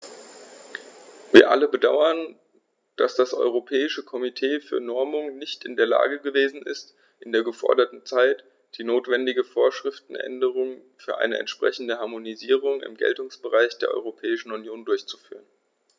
Wir alle bedauern, dass das Europäische Komitee für Normung nicht in der Lage gewesen ist, in der geforderten Zeit die notwendige Vorschriftenänderung für eine entsprechende Harmonisierung im Geltungsbereich der Europäischen Union durchzuführen.